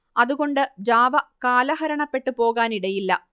അതുകൊണ്ട് ജാവ കാലഹരണപ്പെട്ട് പോകാനിടയില്ല